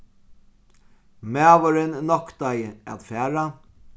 maðurin noktaði at fara